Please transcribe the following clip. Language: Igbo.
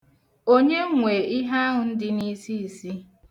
Onye nwe ihe ahụ dị n'isiisi?